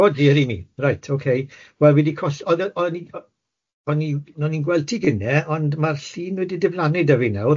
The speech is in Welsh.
O diar i mi. Reit ocê wel fi 'di coll- oedd o- o'n i o'n i o'n i'n gweld ti gynne ond ma'r llun wedi diflannu 'da fi nawr.